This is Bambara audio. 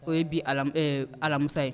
O ye bi alamisa ye